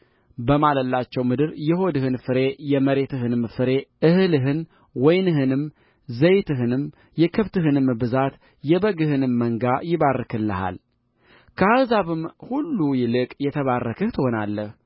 በማለላቸው ምድር የሆድህን ፍሬ የመሬትህንም ፍሬ እህልህን ወይንህንም ዘይትህንም የከብትህንም ብዛት የበግህንም መንጋ ይባርክልሃልከአሕዛብም ሁሉ ይልቅ የተባረክህ ትሆናለህ